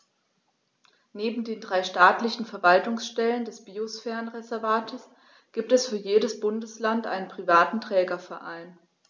Neben den drei staatlichen Verwaltungsstellen des Biosphärenreservates gibt es für jedes Bundesland einen privaten Trägerverein.